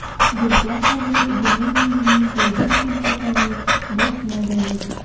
Бездә хәзер гомуммилли гәҗит дип атарлык басма да юк.